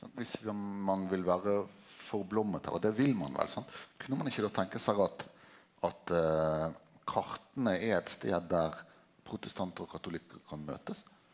sant viss ein vil vere forblomma her og det vil ein vel sant, kunne ein ikkje då tenke seg at at karta er eit sted der protestantar og katolikkar kan møtast?